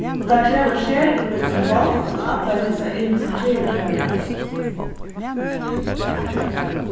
og tað krevur serútbúgvin fólk til allar hesar ymisku fyritøkurnar